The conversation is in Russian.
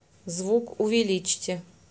звук увеличьте